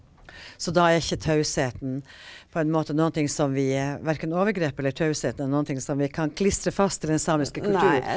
så da er ikke tausheten på en måte noen ting som vi verken overgrep eller taushet er noen ting som vi kan klistre fast til den samiske kulturen.